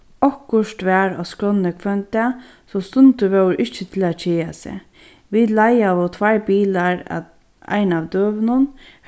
okkurt var á skránni hvønn dag so stundir vóru ikki til at keða seg vit leigaðu tveir bilar ein av døgunum